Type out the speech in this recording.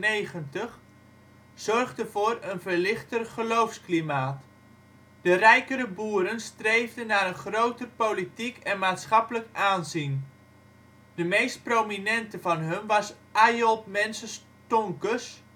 1799, zorgde voor een (ver -) lichter geloofsklimaat. De rijkere boeren streefden naar een groter politiek en maatschappelijk aanzien. De meest prominente van hun was Ayolt Menses Tonkes